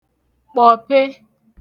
kpọ̀pe